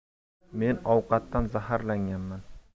men ovqatdan zaharlanganman